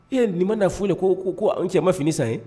E nini ma naa fɔ ye ko ko ko anw cɛ ma fini san ye